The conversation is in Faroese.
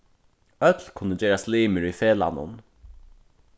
øll kunnu gerast limir í felagnum